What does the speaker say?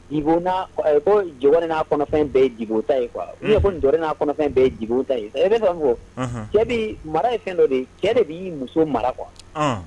Ko Jibo n'a kɔnɔna fɛn bɛɛ ye ta ye quoi i n'a ndɔri n'a kɔɔnɔna fɛn bɛɛ ye Jibo ta ye fɔ cɛ b'i mara ye fɛn dɔ de cɛ de b'i muso mara quoi .